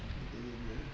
da koy yóbbu